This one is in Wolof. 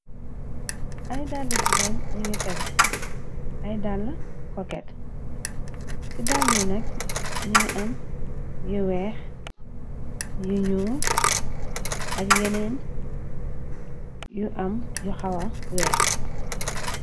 Ay dalla jigéen ningir tege ay dall koket ci dalli nak ningi am yu weex yu ñuul ak yeneen yu am yu xawa weex.